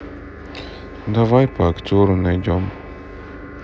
давай по актеру найдем